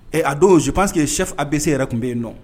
Ɛ a don zops que ye shɛ bɛ se yɛrɛ tun bɛ yen nɔ